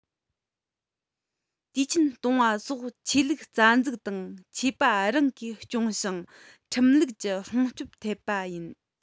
དུས ཆེན གཏོང བ སོགས ཆོས ལུགས རྩ འཛུགས དང ཆོས པ རང གིས སྐྱོང ཞིང ཁྲིམས ལུགས ཀྱི སྲུང སྐྱོབ ཐེབས པ ཡིན